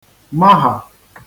mahà